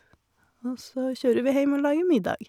Og så kjører vi heim og lager middag.